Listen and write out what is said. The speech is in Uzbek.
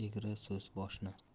yorar egri so'z boshni